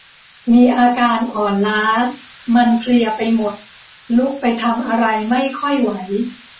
มีอาการอ่อนล้ามันเพลียไปหมดลุกไปทำอะไรไม่ค่อยไหว